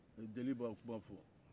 jeliw b'a kuma fɔ